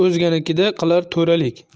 o'zganikida qilar to'ralik